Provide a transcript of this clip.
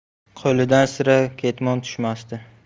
qo'lidan sira ketmon tushmasdi